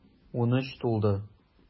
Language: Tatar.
Унөч тулды.